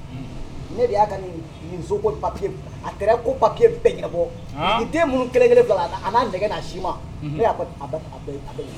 Ne de'a ko bapi a kɛra ko bapi bɛɛ ɲɛna den minnu kɛlɛkelen bila nɛgɛ si ma